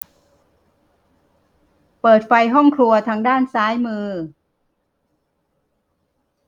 เปิดไฟห้องครัวทางด้านซ้ายมือ